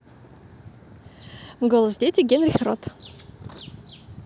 голос дети генрих род